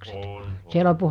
on on